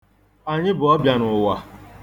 Anyị bụ ọbịa n'ụwa.